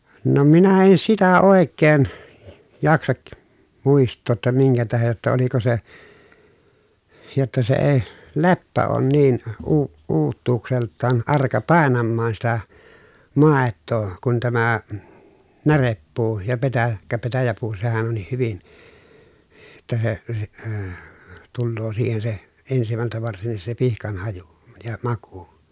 no minä en sitä oikein jaksa muistaa jotta minkä tähden jotta oliko se jotta se ei leppä ole niin - uutuudeltaan arka painamaan sitä maitoa kuin tämä närepuu ja - petäjäpuu petäjäpuu sehän onkin hyvin jotta se -- tulee siihen se ensimmältä varsinkin se pihkan haju ja maku